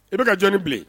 I bɛ ka jɔni bilen?